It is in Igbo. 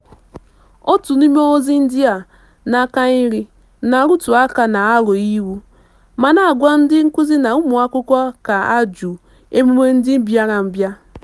Otu n'ime ozi ndị a (n'aka nri) na-arụtụaka na- "Aro" iwu, ma na-agwa ndị nkuzi na ụmụakwụkwọ ka ha jụ emume ndị mbịarambịa.